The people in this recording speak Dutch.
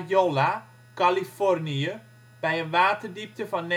Jolla, Californië, bij een waterdiepte van